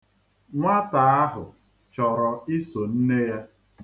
Nwata ahụ chọrọ iso nne ya.